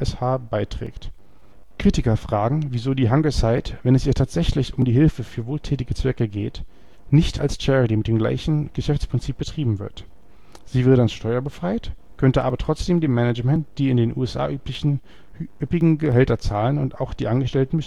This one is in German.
ASH beiträgt. Kritiker fragen, wieso die Hungersite, wenn es ihr tatsächlich um die Hilfe für wohltätige Zwecke geht, nicht als Charity mit dem gleichen Geschäftsprinzip betrieben wird. Sie wäre dann steuerbefreit, könnte aber trotzdem dem Management die in den USA üblichen üppigen Gehälter zahlen und auch die Angestellten